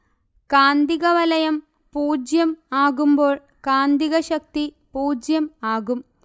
കാന്തിക വലയം പൂജ്യം ആകുമ്പോൾ കാന്തികശക്തി പൂജ്യം ആകും